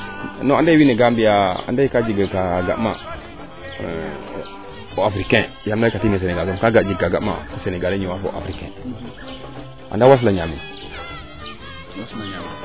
ande wiin ga mbiya a jega kaa ga ma o Africain yaam leyka tiim Senegal moom kaaga a jega ka ga ma Senegalais ñoowa fo o Africain anda wasla ñamin